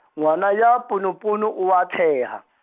ngwana ya ponopono o a tsheha.